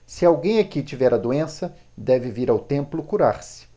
se alguém aqui tiver a doença deve vir ao templo curar-se